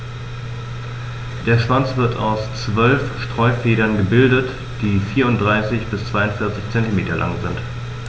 Der Schwanz wird aus 12 Steuerfedern gebildet, die 34 bis 42 cm lang sind.